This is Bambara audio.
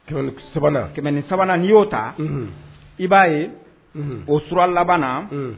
Kɛmɛ ni sabanan n'i y'o ta i b'a ye o su labanana